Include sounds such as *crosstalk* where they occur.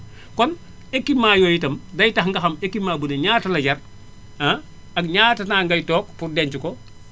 *inhales* kon équipement yooyu tam day tax nga xam équipement bu ne ñaata lay jar ah ak ñaata temps ngay toog pour denc ko